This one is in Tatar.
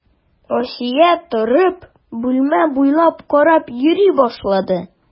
Асия торып, бүлмә буйлап карап йөри башлады.